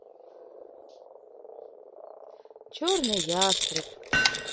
черный ястреб